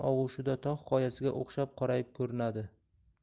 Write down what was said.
tun og'ushida tog' qoyasiga o'xshab qorayib ko'rinadi